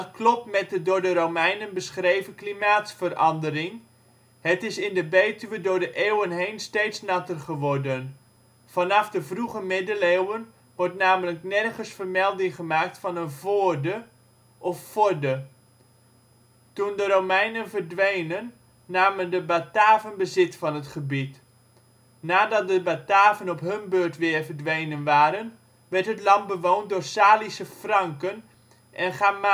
klopt met de door de Romeinen beschreven klimaatsverandering: het is in de Betuwe door de eeuwen heen steeds natter geworden. Vanaf de (vroege) middeleeuwen wordt namelijk nergens vermelding gemaakt van een ' voorde ' of ' forde '. Toen de Romeinen verdwenen, namen de Bataven bezit van het gebied. Nadat de Bataven op hun beurt weer verdwenen waren, werd het land bewoond door Salische Franken en Chamaven